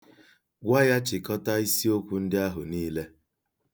Gwa ya chịkọta isiokwu ndị ahụ niile.